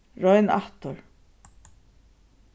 royn aftur